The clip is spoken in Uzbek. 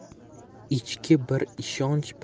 ichki bir ishonch